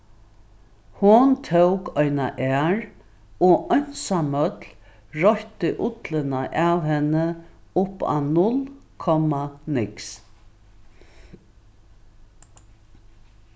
hon tók eina ær og einsamøll roytti ullina av henni upp á null komma niks